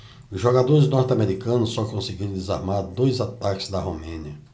os jogadores norte-americanos só conseguiram desarmar dois ataques da romênia